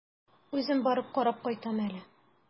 Үзем барып карап кайтам әле.